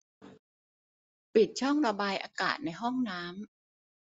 ปิดช่องระบายอากาศในห้องน้ำ